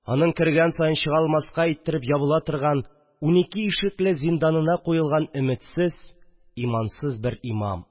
Аның кергән саен чыга алмаска иттерэп ябыла торган унике ишекле зинданына куелган өметсез, имансыз бер имам